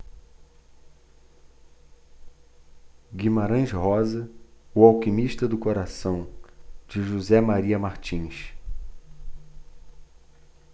guimarães rosa o alquimista do coração de josé maria martins